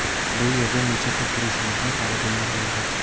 bu yerda necha kun turishimizni hali bilmaymiz